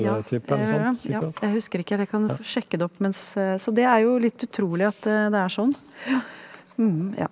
ja ja ja jeg husker ikke, det kan du få sjekke det opp mens så det er jo litt utrolig at det er sånn ja ja.